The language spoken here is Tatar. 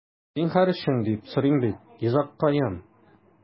Зинһар өчен, диеп сорыйм бит, йозаккаем...